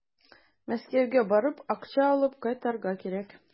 Мәскәүгә барып, акча алып кайтырга кирәк.